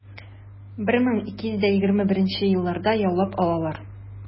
1221 елларда яулап алалар.